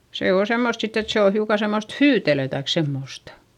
se on semmoista sitten että se on hiukan semmoista hyytelöä tai semmoista